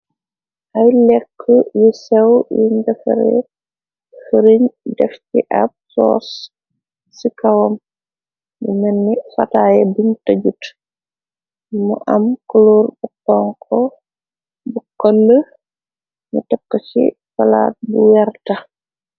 Ay lekke yu sew yuñ defare furiñ def ci ab sors ci kawam bu menni fataaye biñ tëjut mu am clor bu xonxo bu konle nu teku ci palaat bu werta.